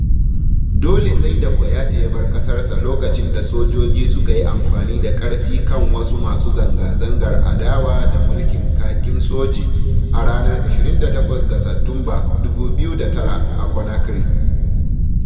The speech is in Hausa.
Dole sai da Kouyaté ya bar ƙasarsa lokacin da sojoji suka yi amfani da ƙarfi kan wasu masu zanga-zangar adawa da mulkin Kakin Soji a ranar 28 ga Satumba, 2009, a Conakry.